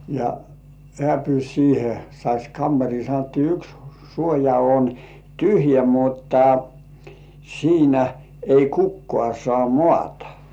ja hän pyysi siihen saisi kamariin sanottiin yksi suoja on tyhjä mutta siinä ei kukaan saa maata